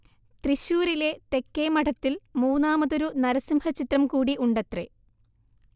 തൃശ്ശൂരിലെ തെക്കേമഠത്തിൽ മൂന്നാമതൊരു നരസിംഹചിത്രം കൂടി ഉണ്ടത്രേ